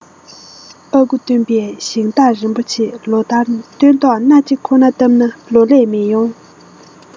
ཨ ཁུ སྟོན པས ཞིང བདག རིན པོ ཆེ ལོ ལྟར སྟོན ཐོག སྣ གཅིག ཁོ ན བཏབ ན ལོ ལེགས མི ཡོང